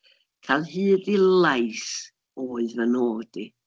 Cael hyd i lais oedd fy nod i.